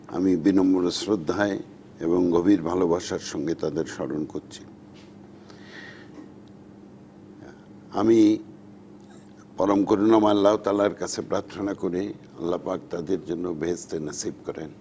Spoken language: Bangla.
আমি বিনম্র শ্রদ্ধায় এবং গভীর ভালোবাসার সঙ্গে তাদের স্মরণ করছি আমি পরম করুনাময় আল্লাহ তা'আলার কাছে প্রার্থনা করি আল্লাহ পাক তাদের যেন বেহেস্ত নসিব করেন